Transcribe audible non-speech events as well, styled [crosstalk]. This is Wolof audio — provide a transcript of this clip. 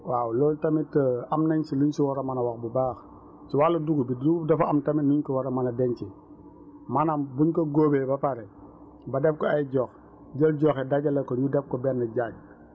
waaw loolu tamit [hesitation] am nañ si luñ si war a mën a wax bu baax si wàllu dugub bi dugub dafa am tamit nuñ ko war a mën a dencee maanaam buñ ko góobee ba pare ba def ko ay jox jël jox yi dajale ko ñu def ko benn jaag